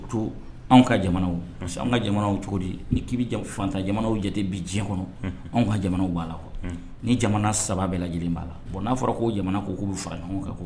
Anw ka jamana anw ka jamana cogo di ni k'i bɛja fatan jamanaw jate bi diɲɛ kɔnɔ anw ka jamanaw b'a la kɔ ni jamana saba bɛ lajɛlen b' la bɔn n'a fɔra ko jamana ko k'u bɛ faga ɲɔgɔn kan kɔ